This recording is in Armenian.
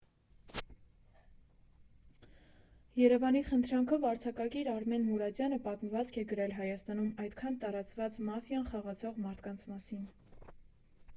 ԵՐԵՎԱՆի խնդրանքով արձակագիր Արմեն Մուրադյանը պատմվածք է գրել Հայաստանում այդքան տարածված «Մաֆիան» խաղացող մարդկանց մասին։